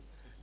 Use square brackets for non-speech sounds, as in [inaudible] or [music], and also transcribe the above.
[hesitation] [hesitation]